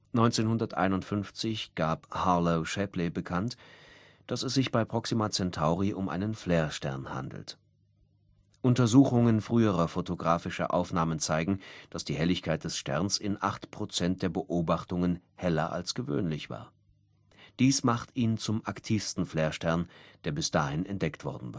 1951 gab Harlow Shapley bekannt, dass es sich bei Proxima Centauri um einen Flarestern handelt. Untersuchungen früherer photographischer Aufnahmen zeigten, dass die Helligkeit des Sterns in 8 % der Beobachtungen heller als gewöhnlich war. Dies machte ihn zum aktivsten Flarestern, der bis dahin entdeckt worden